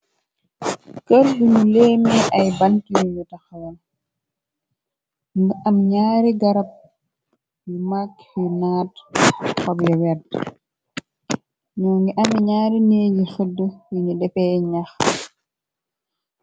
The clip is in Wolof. Kër gu ñu leemi ay bant yuñuñu taxalal ngi am ñaari garab yu magg yu naat xobe werd ñoo ngi am ñaari nee yi xëdd yuñu depee ñax.